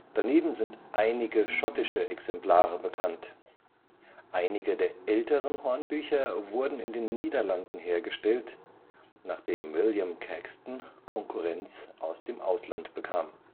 Daneben sind einige schottische Exemplare bekannt. Einige der älteren Hornbücher wurden in den Niederlanden hergestellt, nachdem William Caxton Konkurrenz aus dem Ausland bekam